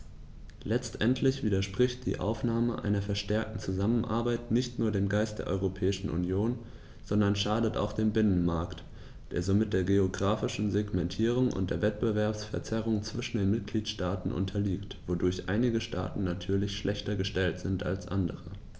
Letztendlich widerspricht die Aufnahme einer verstärkten Zusammenarbeit nicht nur dem Geist der Europäischen Union, sondern schadet auch dem Binnenmarkt, der somit der geographischen Segmentierung und der Wettbewerbsverzerrung zwischen den Mitgliedstaaten unterliegt, wodurch einige Staaten natürlich schlechter gestellt sind als andere.